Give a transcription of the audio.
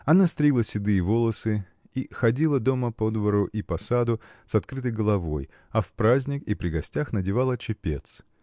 Она стригла седые волосы и ходила дома по двору и по саду с открытой головой, а в праздник и при гостях надевала чепец